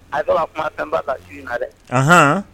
Ayi bɛ ka kuma fɛnba ka su in na dɛ anhan